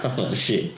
O shit.